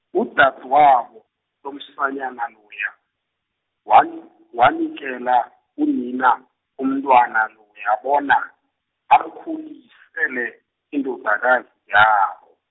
udadwabo, lomsanyana loyo, wan- wanikela unina, umntwana loya bona, amkhulisele indodakazi yabo.